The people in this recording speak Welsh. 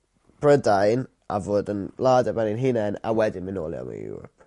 Brydain a fod yn wlad ar ben ein hunen a wedyn myn' nôl mewn i Ewrop.